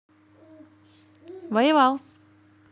воевал